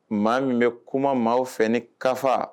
Maa min bɛ kuma mɔgɔw fɛ ni kafa